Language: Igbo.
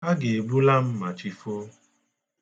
Ha ga-ebula m ma chi foo.